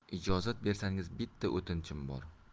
ijozat bersangiz bitta o'tinchim bor